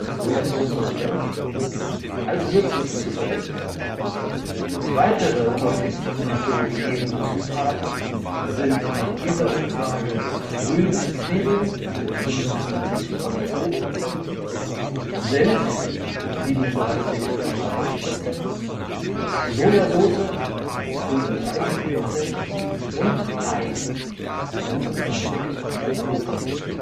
Sojasauce und Senf) als Würzmittel zu verwenden. Weitere häufig zum Nattō gegebene Zutaten sind nach dieser Umfrage Frühlingszwiebeln (55,2 %), Senf (37,1 %), Sojasauce (35,0 %) und Ei (25,2 %